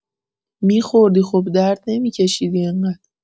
می‌خوردی خب درد نمی‌کشیدی اینقد